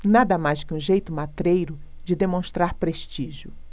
nada mais que um jeito matreiro de demonstrar prestígio